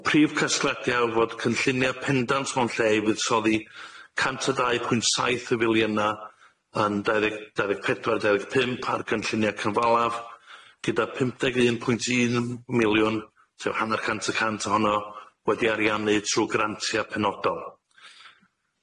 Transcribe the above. Y prif cysylltiad yw fod cynllunia pendant mewn lle i fuddsoddi cant a dau pwynt saith y filiyna yn dau ddeg dau ddeg pedwar dau ddeg pump ar gynlluniau cyfalaf, gyda pum deg un pwynt un miliwn, sef hanner chant y cant ohono wedi ariannu trw grantia penodol.